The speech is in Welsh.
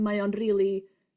mae o'n rili